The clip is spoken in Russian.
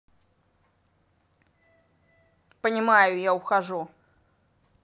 понимаю я ухожу